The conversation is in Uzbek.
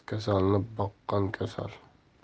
kasalni boqqan kasal